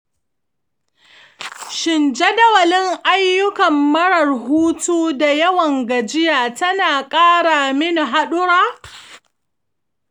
shin jadawalin ayukka marar hutu da yawan gajiya ta na ƙara mini haɗurra?